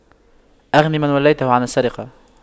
أغن من وليته عن السرقة